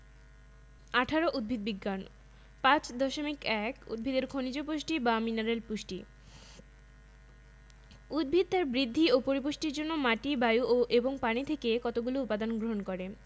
nitrate ion potassium ion ইত্যাদি উদ্ভিদের পুষ্টিতে বিভিন্ন খনিজ উপাদানের ভূমিকা উদ্ভিদের স্বাভাবিক বৃদ্ধির জন্য বিভিন্ন খনিজ পুষ্টি গুরুত্বপূর্ণ ভূমিকা পালন করে কিছু ম্যাক্রোনিউট্রিয়েন্টের ভূমিকার কথা নিচে বলা হল